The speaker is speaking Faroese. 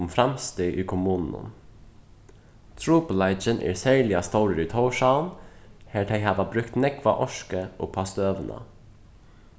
um framstig í kommununum trupulleikin er serliga stórur í tórshavn har tey hava brúkt nógva orku upp á støðuna